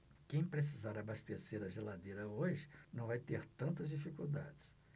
quem precisar abastecer a geladeira hoje não vai ter tantas dificuldades